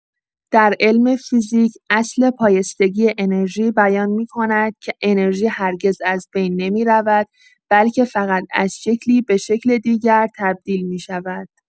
در علم فیزیک، اصل پایستگی انرژی بیان می‌کند که انرژی هرگز از بین نمی‌رود، بلکه فقط از شکلی به شکل دیگر تبدیل می‌شود.